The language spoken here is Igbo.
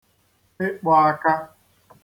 ịkpọaka